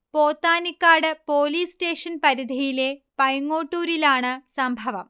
Pothanikkad police station പരിധിയിലെ പൈങ്ങോട്ടൂരിലാണ് സംഭവം